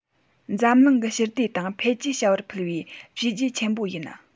འཛམ གླིང གི ཞི བདེ དང འཕེལ རྒྱས བྱ བར ཕུལ བའི བྱས རྗེས ཆེན པོ ཡིན